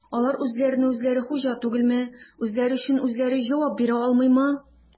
Алар үзләренә-үзләре хуҗа түгелме, үзләре өчен үзләре җавап бирә алмыймы?